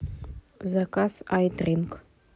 заказ ай дринк